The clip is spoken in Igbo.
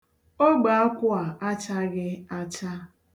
Ogbeakwụ a achaghị acha.